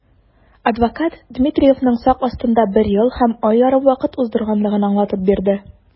Адвокат Дмитриевның сак астында бер ел һәм ай ярым вакыт уздырганлыгын аңлатып бирде.